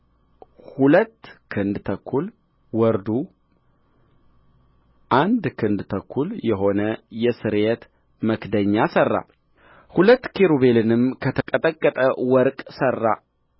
ሁለት ክንድ ተኩል ወርዱም አንድ ክንድ ተኩል የሆነ የስርየት መክደኛ ሠራ ሁለት ኪሩቤልንም ከተቀጠቀጠ ወርቅ ሠራ